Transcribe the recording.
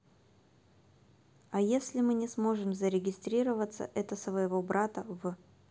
а если мы не сможем зарегистрироваться это своего брата в